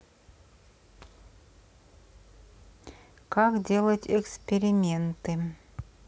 как делать эксперименты